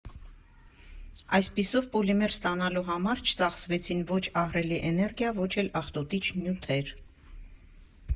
Այսպիսով, պոլիմեր ստանալու համար չծախսվեցին ո՛չ ահռելի էներգիա, ո՛չ էլ աղտոտիչ նյութեր։